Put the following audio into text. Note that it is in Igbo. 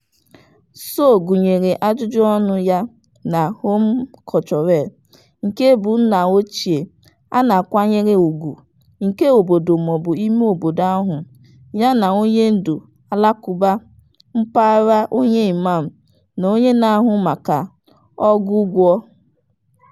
Sow gụnyere ajụjụọnụ ya na “homme culturel,” nke bụ nnaochie a na-akwanyere ùgwù nke obodo maọbụ imeobodo ahụ, yana onyendu Alakụba mpaghara (onye imam) na onye na-ahụ maka ọgwụgwọ.